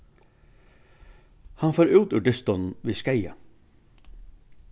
hann fór út úr dystinum við skaða